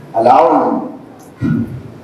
Ayiwa